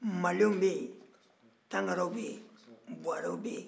malew bɛ yen tangara bɛ yen buwarɛw bɛ yen